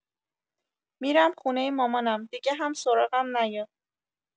می‌رم خونه مامانم دیگه هم سراغم نیا